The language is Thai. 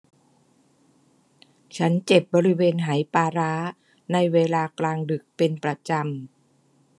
ฉันเจ็บบริเวณไหปลาร้าในเวลากลางดึกเป็นประจำ